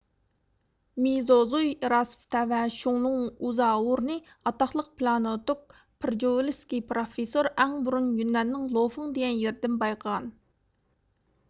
مېزوزوي ئېراسىغ تەۋە شۇيلۇڭئۇزاۋورنى ئاتاقلىق پائىلانتۇگ پىرژىۋلىسكىي پىراففىسور ئەڭ بۇرۇن يۈننەننىڭ لوفىڭ دىگەن يېرىدىن بايقىغان